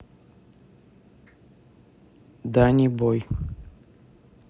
дани бой